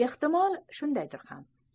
ehtimol shundaydir